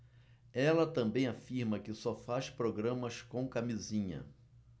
ela também afirma que só faz programas com camisinha